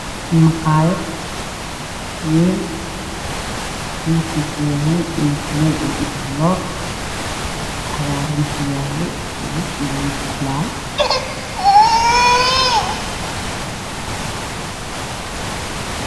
Waa meel maqaayad ah waxaa yaalla kuraas waxaa ka baxay geedo agaasin dhulka oo cadaan